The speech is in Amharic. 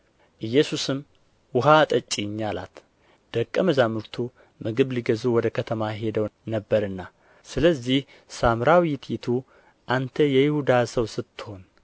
ኢየሱስም ውኃ አጠጪኝ አላት ደቀ መዛሙርቱ ምግብ ሊገዙ ወደ ከተማ ሄደው ነበርና ስለዚህ ሳምራዊቲቱ አንተ የይሁዳ ሰው ስትሆን